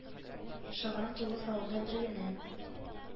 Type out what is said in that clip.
Шыгрым тулы салонда бер генә